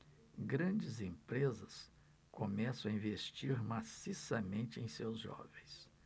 grandes empresas começam a investir maciçamente em seus jovens